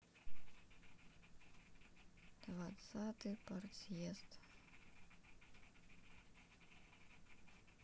двадцатый партсъезд